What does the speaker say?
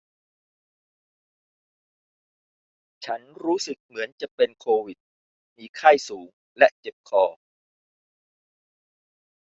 ฉันรู้สึกเหมือนจะเป็นโควิดมีไข้สูงและเจ็บคอ